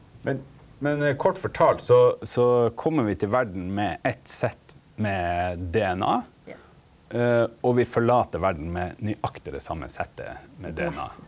men men kort fortalt så så kjem vi til verda med eitt sett med DNA, og vi forlèt verda med nøyaktig det same settet med DNA.